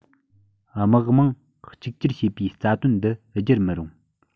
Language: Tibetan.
དམག དམངས གཅིག གྱུར བྱེད པའི རྩ དོན འདི སྒྱུར མི རུང